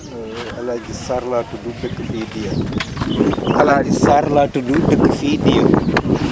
El Hadj Sarr laa tudd dëkk fii Dya el Hadj Sarr laa tudd dëkk fii Dya